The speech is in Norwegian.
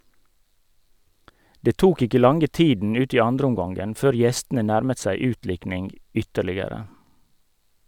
Det tok ikke lange tiden ut i andreomgangen før gjestene nærmet seg utlikning ytterligere.